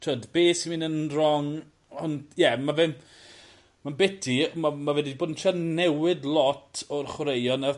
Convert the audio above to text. t'wod be' sy'n myn' yn rong ond ie ma' fe'n ma'n biti ma' ma' fe 'di bod yn trial newid lot o'r chwaraeon a